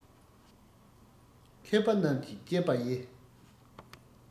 མཁས པ རྣམས ཀྱིས དཔྱད པ ཡི